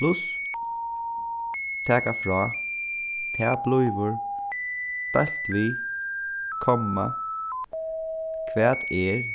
pluss taka frá tað blívur deilt við komma hvat er